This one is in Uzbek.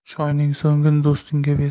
choyning so'ngini do'stingga ber